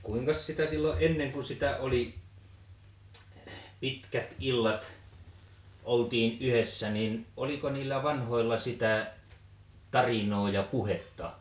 kuinkas sitä silloin ennen kun sitä oli pitkät illat oltiin yhdessä niin oliko niillä vanhoilla sitä tarinaa ja puhetta